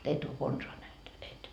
et ole konsaan nähnyt et